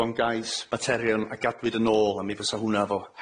fo'n gais materion a gadwyd yn ôl a mi fysa hwnna 'fo